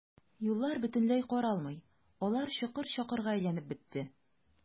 Юллар бөтенләй каралмый, алар чокыр-чакырга әйләнеп бетте.